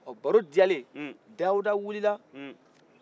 oh baaro diyalen dawuda wilila